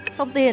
sông tiền